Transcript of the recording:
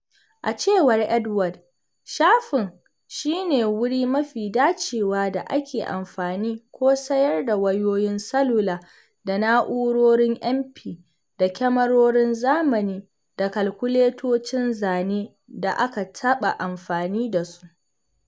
A cewar Edward, shafin "shi ne wuri mafi dacewa da ake amfani ko sayar da wayoyin salula da na'urorin mp da kyamarorin zamani da kalkuletocin zane da aka taɓa amfani da su.